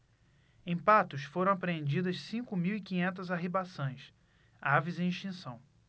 em patos foram apreendidas cinco mil e quinhentas arribaçãs aves em extinção